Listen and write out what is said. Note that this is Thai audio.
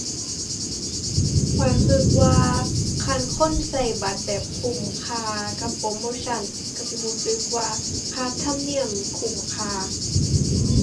ข้อยคิดว่าคันคนคิดบัตรแบบคุ้มค่ากับโปรโมชัน คิดสิคิดสึกว่าค่าธรรมเนียมคุ้มค่า